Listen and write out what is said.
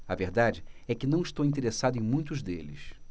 a verdade é que não estou interessado em muitos deles